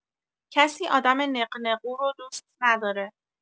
کسی آدم نق‌نقو رو دوست نداره.